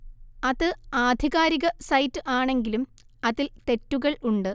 അത് ആധികാരിക സൈറ്റ് ആണെങ്കിലും അതിൽ തെറ്റുകൾ ഉണ്ട്